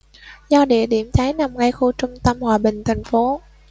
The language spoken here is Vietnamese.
do địa điểm cháy nằm ngay khu trung tâm hòa bình thành phố